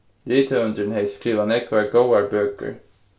rithøvundurin hevði skrivað nógvar góðar bøkur